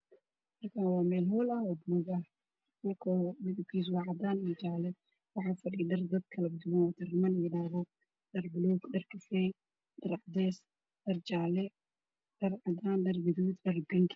Halkaan waa meel hool ah oo duug ah ah, midabkiisu waa cadaan iyo jaale, waxaa fadhiyo dad dhar kala duwan wato oo niman iyo naago ah, dhar buluug, dhar kafay, dhar cadaan ah, dhar cadeys, dhar jaale, dhar bingi.